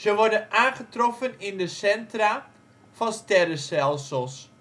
worden aangetroffen in de centra van sterrenstelsels